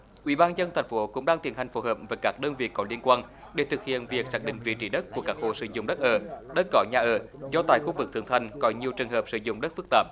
ủy ban dân thành phố cũng đang tiến hành phối hợp với các đơn vị có liên quan để thực hiện việc xác định vị trí đất của các hộ sử dụng đất ở đất có nhà ở do tại khu vực thượng thành có nhiều trường hợp sử dụng đất phức tạp